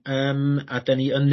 yym a 'dyn ni yn...